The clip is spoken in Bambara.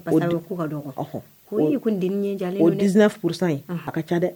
O 19 pour cent in a ka ca dɛ.